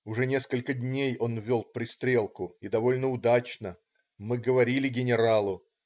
Уж несколько дней они вели пристрелку, и довольно удачно. Мы говорили генералу.